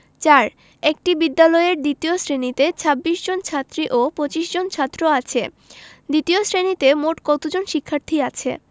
৪ একটি বিদ্যালয়ের দ্বিতীয় শ্রেণিতে ২৬ জন ছাত্রী ও ২৫ জন ছাত্র আছে দ্বিতীয় শ্রেণিতে মোট কত জন শিক্ষার্থী আছে